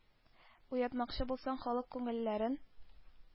“уятмакчы булсаң халык күңелләрен”,